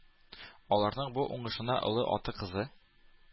Аларның бу уңышына Олы Аты кызы